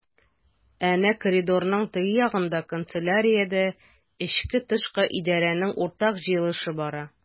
Әнә коридорның теге ягында— канцеляриядә эчке-тышкы идарәнең уртак җыелышы бара.